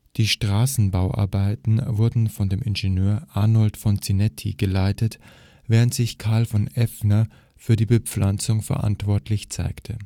Die Straßenbauarbeiten wurden von dem Ingenieur Arnold von Zenetti geleitet, während sich Carl von Effner für die Bepflanzung verantwortlich zeigte